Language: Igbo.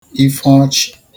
ifeọchị̀